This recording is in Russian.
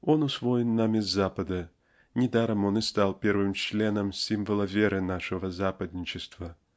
Он усвоен нами с Запада (недаром он и стал первым членом символа веры нашего "западничества").